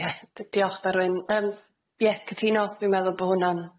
Ie diolch Berwyn, yym ie cytuno fi'n meddwl bo' hwnna'n